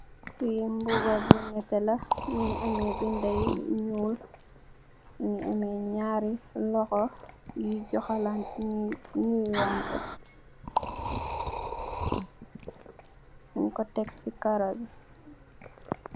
Fii mbuba bu nehteh la mungy ameh binda yu njull, mungy ameh njaari lokhor yui jokharlan njui nuyu wanteh, njung kor tek cii kaaroh bii.